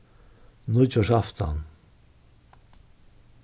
nýggjársaftan